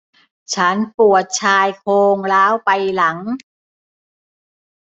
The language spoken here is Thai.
ฉันปวดชายโครงร้าวไปหลัง